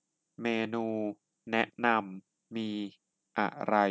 เมนูแนะนำมีอะไร